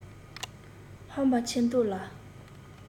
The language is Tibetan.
ཧམ པ ཆེ མདོག ལ